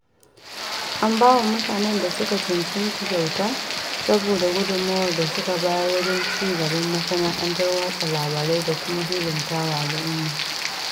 An ba wa mutanen da suka cancanta kyauta saboda gudummawar da suka bayar wajen ci gaban masana'antar watsa labarai da kuma hidimta wa al'umma.